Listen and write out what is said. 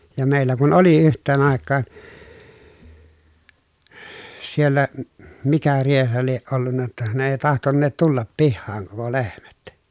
ja meillä kun oli yhteen aikaan siellä - mikä rieha lie ollut jotta ne ei tahtoneet tulla pihaan koko lehmät